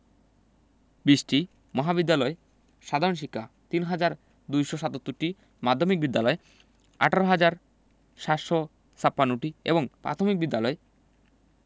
২০টি মহাবিদ্যালয় সাধারণ শিক্ষা ৩হাজার ২৭৭টি মাধ্যমিক বিদ্যালয় ১৮হাজার ৭৫৬টি এবং প্রাথমিক বিদ্যালয়